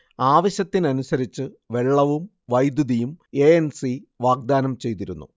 ആവശ്യത്തിനനുസരിച്ച് വെള്ളവും വൈദ്യുതിയും എ എൻ സി വാഗ്ദാനം ചെയ്തിരുന്നു